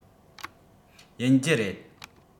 ཡིན རྒྱུ རེད